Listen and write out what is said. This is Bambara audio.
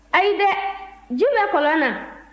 ayi dɛ ji bɛ kɔlɔn na